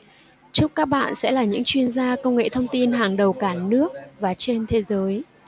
chúc các bạn sẽ là những chuyên gia công nghệ thông tin hàng đầu cả nước và trên thế giới